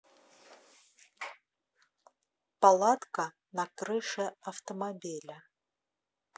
палатка на крыше автомобиля